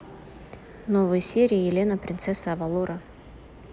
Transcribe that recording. новые серии елена принцесса авалора